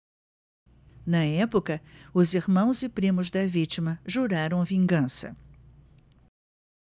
na época os irmãos e primos da vítima juraram vingança